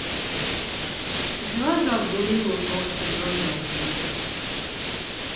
я забыла как тебя зовут